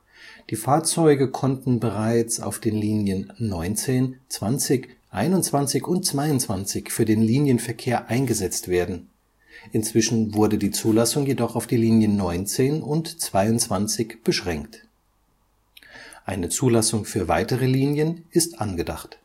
Die Fahrzeuge konnten bereits auf den Linien 19, 20, 21 und 22 für den Linienverkehr eingesetzt werden; inzwischen wurde die Zulassung jedoch auf die Linien 19 und 22 beschränkt. Eine Zulassung für weitere Linien ist angedacht